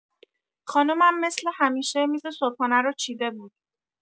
خانمم مثل همیشه میز صبحانه رو چیده بود.